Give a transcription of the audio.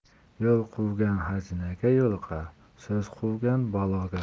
yo'l quvgan xazinaga yo'liqar so'z quvgan baloga